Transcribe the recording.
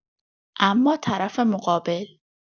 اما طرف مقابل